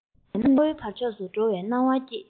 དེང རབས ནས གནའ བོའི ཕྱོགས སུ འགྲོ བའི སྣང བ སྐྱེས